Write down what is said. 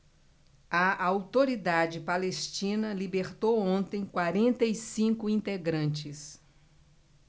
a autoridade palestina libertou ontem quarenta e cinco integrantes